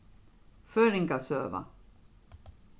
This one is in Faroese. føroyingasøga